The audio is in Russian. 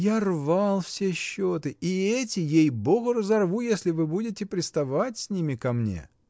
я рвал все счеты и эти, ей-богу, разорву, если вы будете приставать с ними ко мне.